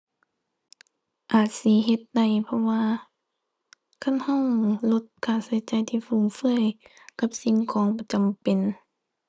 อาจสิเฮ็ดได้ เพราะว่าคันเราลดค่าเราจ่ายที่ฟุ่มเฟือยกับสิ่งของบ่จำเป็น